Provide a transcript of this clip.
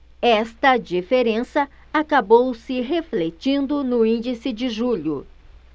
esta diferença acabou se refletindo no índice de julho